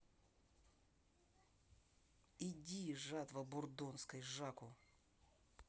иди жатва бурдонской жаку